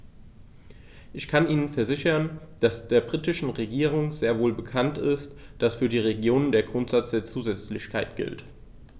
Ich kann Ihnen versichern, dass der britischen Regierung sehr wohl bekannt ist, dass für die Regionen der Grundsatz der Zusätzlichkeit gilt.